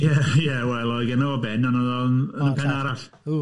Ie ie wel, oedd genna fo ben, ond o'dd o'n yn y pen arall.